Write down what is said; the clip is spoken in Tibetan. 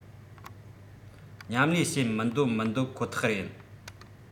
མཉམ གླས བྱེད མི འདོད མི འདོད ཁོ ཐག ཡིན